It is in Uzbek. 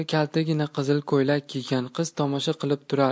kaltagina qizil ko'ylak kiygan qiz tomosha qilib turar